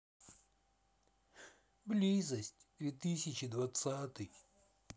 близость две тысячи двадцатый